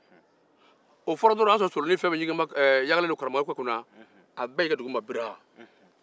o fɔra dɔron o y'a sɔrɔ solonin fɛn o fɛn yankannen bɛ karamɔgɔkɛ kunna a bɛɛ y'i kɛ buraaa